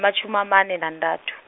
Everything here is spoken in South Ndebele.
-majthumi amane nanthathu.